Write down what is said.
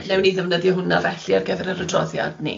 newn ni ddefnyddio hwnna felly ar gyfer yr adroddiad ni.